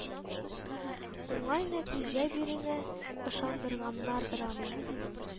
Уңай нәтиҗә биренә ышандырганнардыр аны